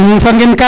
fa ngen ka miñ de